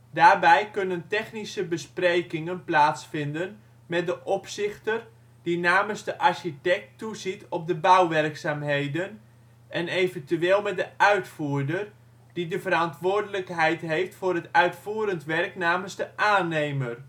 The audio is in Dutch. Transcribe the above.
Daarbij kunnen technische besprekingen plaatsvinden met de opzichter, die namens de architect toeziet op de bouwwerkzaamheden, en eventueel met de uitvoerder, die de verantwoordelijkheid heeft voor het uitvoerend werk namens de aannemer